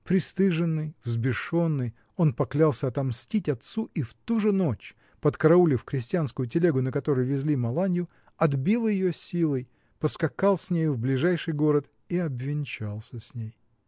Пристыженный, взбешенный, он поклялся отомстить отцу и в ту же ночь, подкараулив крестьянскую телегу, на которой везли Маланью, отбил ее силой, поскакал с нею в ближайший город и обвенчался с ней.